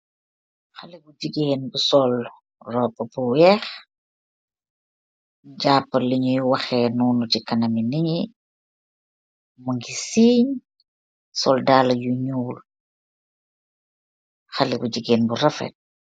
haleh bu jigeen bu sol roba bu weeh, japa lunyew waheh, sol dala bu nyeul.